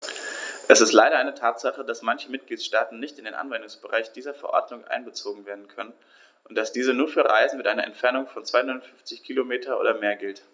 Es ist leider eine Tatsache, dass manche Mitgliedstaaten nicht in den Anwendungsbereich dieser Verordnung einbezogen werden können und dass diese nur für Reisen mit einer Entfernung von 250 km oder mehr gilt.